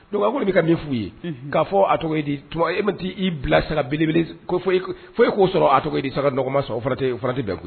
Bɛ ka min f' ye fɔ a tɔgɔ di tuma e ma t taa i bila sa beleb ko foyi k'o sɔrɔ a tɔgɔ e di saga nɔgɔɔgɔma sɔrɔ o farati da kuwa